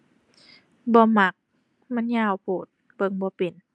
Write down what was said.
บ่มักมันยาวโพดเบิ่งบ่เป็น